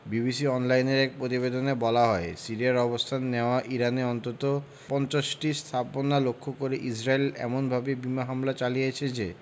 BBC অনলাইনের এক প্রতিবেদনে বলা হয় সিরিয়ায় অবস্থান নেওয়া ইরানের অন্তত ৫০টি স্থাপনা লক্ষ্য করে ইসরায়েল এমনভাবে বিমান হামলা চালিয়েছে